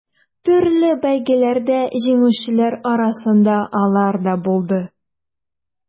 Төрле бәйгеләрдә җиңүчеләр арасында алар да булды.